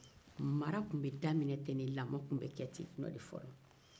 mara tun bɛ daminɛ ten de lamɔ tun bɛ kɛ ten tɔ de fɔlɔ